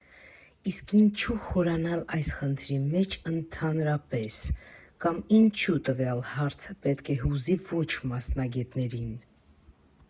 Իսկ ինչու՞ խորանալ այս խնդրի մեջ ընդհանրապես, կամ ինչու՞ տվյալ հարցը պետք է հուզի ոչ մասնագետներին։